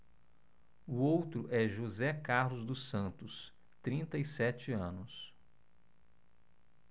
o outro é josé carlos dos santos trinta e sete anos